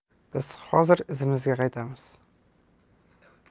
biz hozir izimizga qaytamiz